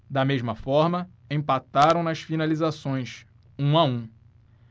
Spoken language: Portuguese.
da mesma forma empataram nas finalizações um a um